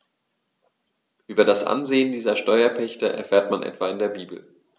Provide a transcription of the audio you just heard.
Über das Ansehen dieser Steuerpächter erfährt man etwa in der Bibel.